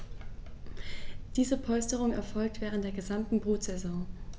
Diese Polsterung erfolgt während der gesamten Brutsaison.